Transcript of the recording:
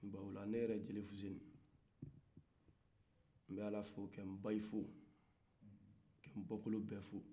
ola ne yɛrɛ jeli fuseni be ala fo ka anaw fo ka anbɔkolow bɛ fo